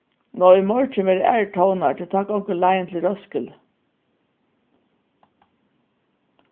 ná í morgin verða aðrir tónar tí tá gongur leiðin til roskilde